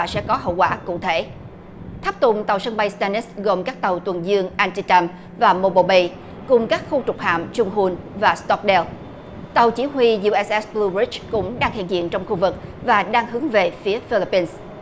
sẽ có hậu quả cụ thể tháp tùng tàu sân bay stennis gồm các tàu tuần dương antietam và mô bô bây cùng các khu trục hạm chung hoon và stockdale tàu chỉ huy uss blue ridge cũng đang hiện diện trong khu vực và đang hướng về phía philippines